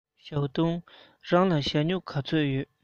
ཞའོ ཧུང རང ལ ཞྭ སྨྱུག ག ཚོད ཡོད